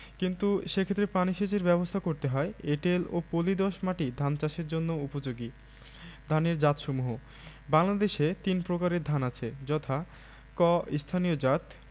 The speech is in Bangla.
কিন্তু সেক্ষেত্রে পানি সেচের ব্যাবস্থা করতে হয় এঁটেল ও পলি দোআঁশ মাটি ধান চাষের জন্য উপযোগী ধানের জাতসমূহঃ বাংলাদেশে তিন প্রকারের ধান আছে যথাঃ ক স্থানীয় জাতঃ